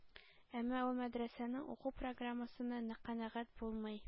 Әмма ул мәдрәсәнең уку программасыннан канәгать булмый,